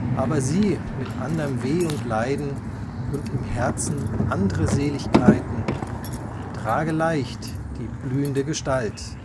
Aber sie, mit anderm Weh und Leiden Und im Herzen andre Seligkeiten: Trage leicht die blühende Gestalt